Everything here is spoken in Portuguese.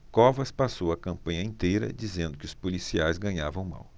covas passou a campanha inteira dizendo que os policiais ganhavam mal